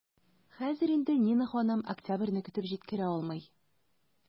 Хәзер инде Нина ханым октябрьне көтеп җиткерә алмый.